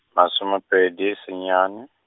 masome pedi senyane.